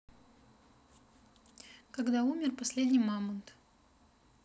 когда умер последний мамонт